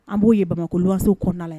An b'o ye bamakɔkolowaso kɔnɔna la